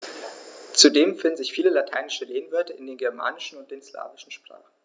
Zudem finden sich viele lateinische Lehnwörter in den germanischen und den slawischen Sprachen.